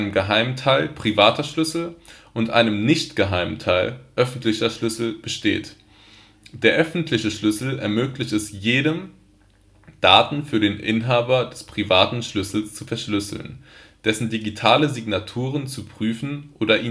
geheimen Teil (privater Schlüssel) und einem nicht geheimen Teil (öffentlicher Schlüssel) besteht. Der öffentliche Schlüssel ermöglicht es jedem, Daten für den Inhaber des privaten Schlüssels zu verschlüsseln, dessen digitale Signaturen zu prüfen oder